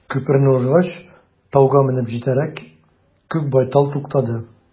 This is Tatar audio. Күперне узгач, тауга менеп җитәрәк, күк байтал туктады.